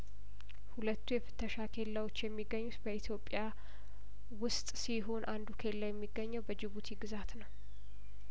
ሁለቱ የፍተሻ ኬላዎች የሚገኙት በኢትዮጵያ ውስጥ ሲሆን አንዱ ኬላ የሚገኘው በጂቡቲ ግዛት ነው